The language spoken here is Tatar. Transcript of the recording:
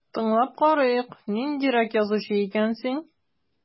Тыңлап карыйк, ниндирәк язучы икән син...